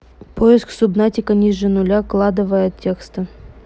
поиск субнатика ниже нуля кладовая текста